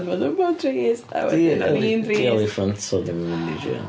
Mae mor drist a wedyn o'n i'n drist... 'Di eliffantod ddim yn mynd i jêl...